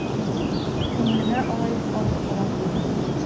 Күңелеңә алай ук авыр ала күрмә.